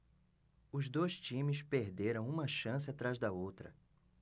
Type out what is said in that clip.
os dois times perderam uma chance atrás da outra